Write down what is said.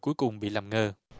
cuối cùng bị làm ngơ